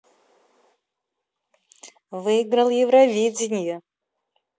выиграл евровидение